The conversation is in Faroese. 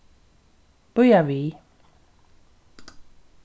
bíða við